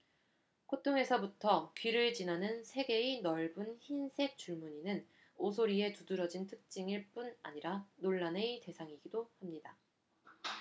콧등에서부터 귀를 지나는 세 개의 넓은 흰색 줄무늬는 오소리의 두드러진 특징일 뿐 아니라 논란의 대상이기도 합니다